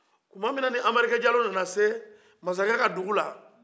tumamina ni anbarike jalo nana se masakɛ ka dugu la